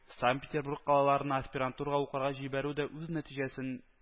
Санкт-Петербург калаларына аспирантурага укырга җибәрү дә үз нәтиҗәсен